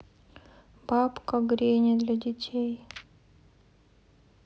бабка гренни для детей